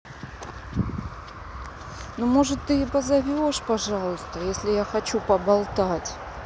ну может ты и позовешь пожалуйста если я хочу поболтать